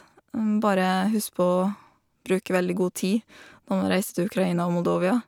Bare husk på å bruke veldig god tid når man reiser til Ukraina og Moldovia.